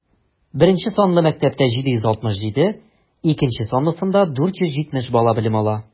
Беренче санлы мәктәптә - 767, икенче санлысында 470 бала белем ала.